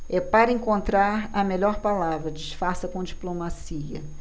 é para encontrar a melhor palavra disfarça com diplomacia